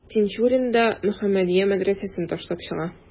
Тинчурин да «Мөхәммәдия» мәдрәсәсен ташлап чыга.